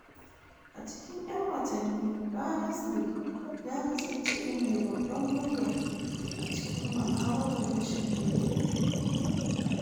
A cikin 'yan watanni, Berners-Lee ya kasance mai babbar murya a cikin muhawarar rashin daidaito.